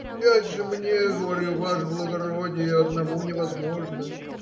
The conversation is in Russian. Опять же мне, говорю, ваше благородие, одному невозможно.